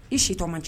I sitɔ man cɛ